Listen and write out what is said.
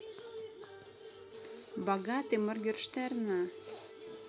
богатый моргенштерна